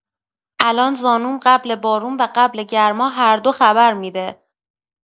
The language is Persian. الان زانوم قبل بارون و قبل گرما هر دو خبر می‌ده.